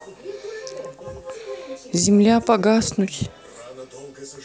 земля погаснуть